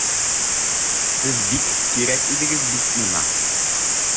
Сез бик кирәк идегез бит миңа!